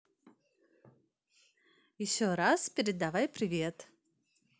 еще раз передавай привет